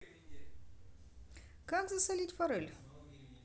как засолить форель